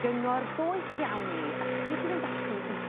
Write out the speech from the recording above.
...gyngor doeth iawn i ni ar sut i fynd ati i